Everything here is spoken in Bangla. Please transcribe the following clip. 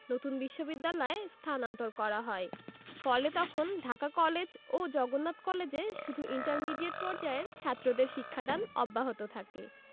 নতুন বিশ্ববিদ্যালয়ে স্থানান্তর করা হয় ফলে তখন ঢাকা কলেজ ও জগন্নাথ কলেজে শুধু ইন্টারমিডিয়েট পর্যায়ের ছাত্রদের শিক্ষাদান অব্যাহত থাকে